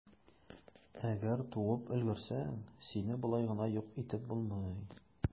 Әгәр туып өлгерсәң, сине болай гына юк итеп булмый.